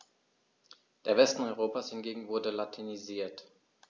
Der Westen Europas hingegen wurde latinisiert.